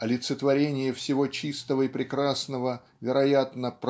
олицетворение всего чистого и прекрасного вероятно